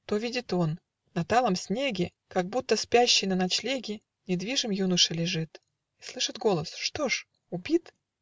То видит он: на талом снеге, Как будто спящий на ночлеге, Недвижим юноша лежит, И слышит голос: что ж? убит.